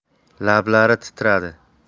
lablari titradi